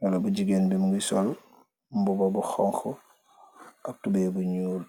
haleh bu jigeen bi mogi sool mbuba bu xonxa ak tubay bu nuul.